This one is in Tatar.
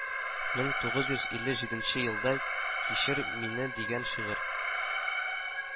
Мең тугыз йөз илле җиденче елда кичер мине дигән шигырь